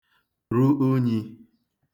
ru unyi